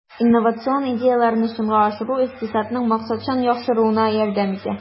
Инновацион идеяләрне чынга ашыру икътисадның максатчан яхшыруына ярдәм итә.